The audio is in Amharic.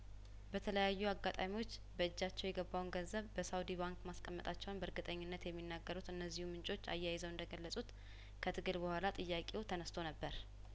በተለያዩ አጋጣሚዎች በእጃቸው የገባውን ገንዘብ በሳኡዲ ባንክ ማስቀመጣቸውን በእርግጠኝነት የሚናገሩት እነዚሁ ምንጮች አያይዘው እንደገለጹት ከትግል በኋላ ጥያቄው ተነስቶ ነበር